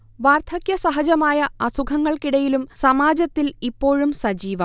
വാർധക്യസഹജമായ അസുഖങ്ങൾക്കിടയിലും സമാജത്തിൽ ഇപ്പോഴും സജീവം